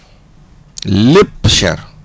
lépp cher